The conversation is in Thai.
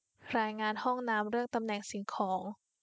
รายงานห้องน้ำเรื่องตำแหน่งสิ่งของ